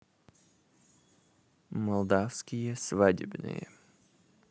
молдавские свадебные